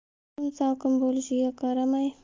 kun salqin bo'lishiga qaramay